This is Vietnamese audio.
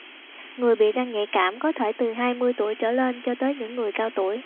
người bị răng nhạy cảm có thể từ hai mươi tuổi trở lên cho tới những người cao tuổi